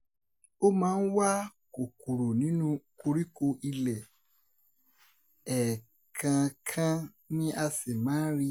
Ó máa ń wá kòkòrò nínú koríko ilẹ̀, ẹ̀kànànkan ni a sì máa ń rí i.